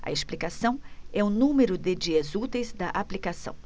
a explicação é o número de dias úteis da aplicação